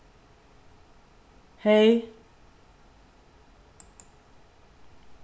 hey